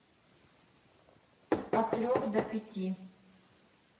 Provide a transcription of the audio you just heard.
от трех до пяти